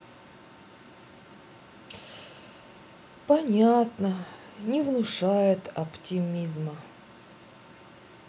понятно не внушают оптимизма